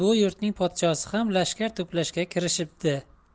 bu yurtning podshosi ham lashkar to'plashga kirishibdi